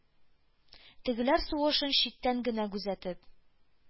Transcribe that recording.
Тегеләр сугышын читтән генә күзәтеп,